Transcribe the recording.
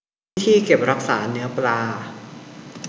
วิธีเก็บรักษาเนื้อปลา